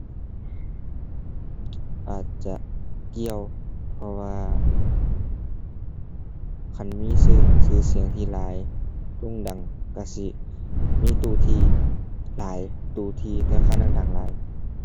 อาจจะเกี่ยว เพราะว่าคันมีชื่อ ชื่อเสียงที่หลาย โด่งดัง ชื่อสิมีตู้ที่หลาย ตู้ที่ธนาคารดังดังหลาย